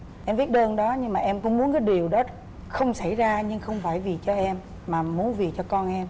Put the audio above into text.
em viết đơn đó nhưng mà em cũng muốn cái điều đó không xảy ra nhưng không phải vì cho em mà muốn vì cho con em